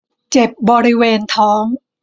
เจ็บบริเวณท้อง